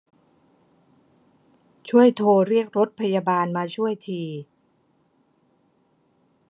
ช่วยโทรเรียกรถพยาบาลมาช่วยที